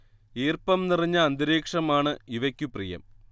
ഈർപ്പം നിറഞ്ഞ അന്തരീക്ഷം ആണ് ഇവയ്ക്കു പ്രിയം